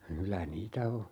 kyllä niitä on